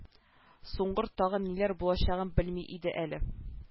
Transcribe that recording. Суңгыр тагын ниләр булачагын белми иде әле